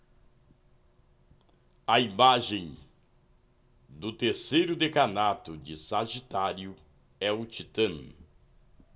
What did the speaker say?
a imagem do terceiro decanato de sagitário é o titã